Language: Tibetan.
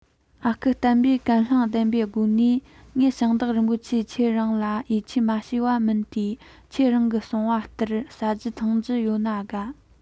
ཨ ཁུ སྟོན པས སྒམ བརླིང ལྡན པའི སྒོ ནས ངས ཞིང བདག རིན པོ ཆེ ཁྱེད རང ལ ཡིད ཆེས མ ཞུ བ མིན ཏེ ཁྱེད རང གིས གསུངས པ ལྟར བཟའ རྒྱུ འཐུང རྒྱུ ཡོད ན དགའ